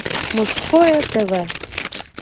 мужское тв